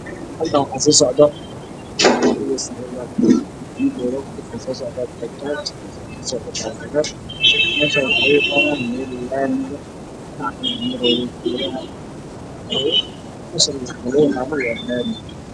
Halkaan waxaa soo socdo kareeto bajaaj iyo baabuur